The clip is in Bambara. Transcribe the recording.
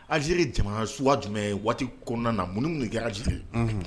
Azere jamana su jumɛn waati kɔnɔna na mun minnu kɛ aze ye